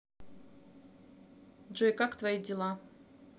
джой как твои дела